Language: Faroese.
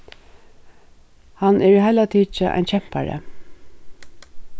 hann er í heila tikið ein kempari